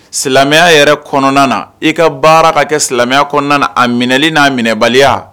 Silamɛya yɛrɛ kɔnɔna na i ka baara ka kɛ silamɛya kɔnɔna a minɛli n'a minɛbaliya